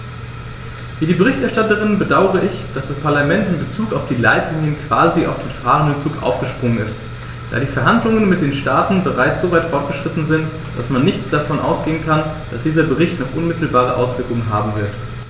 Wie die Berichterstatterin bedaure ich, dass das Parlament in bezug auf die Leitlinien quasi auf den fahrenden Zug aufgesprungen ist, da die Verhandlungen mit den Staaten bereits so weit fortgeschritten sind, dass man nicht davon ausgehen kann, dass dieser Bericht noch unmittelbare Auswirkungen haben wird.